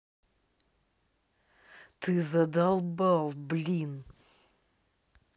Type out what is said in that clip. ты задолбал блин